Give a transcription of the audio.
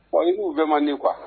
Wa i n'u bɛ ma nin kuwa